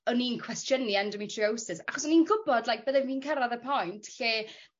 o'n i'n cwestiyni endometriosis achos o'n i'n gwbod like bydde fi'n cyrradd y point lle